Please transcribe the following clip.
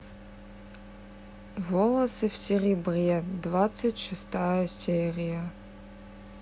волосы в серебре двадцать шестая серия